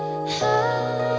ha